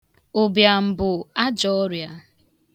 Ụbịam bụ ajọ ọrịa.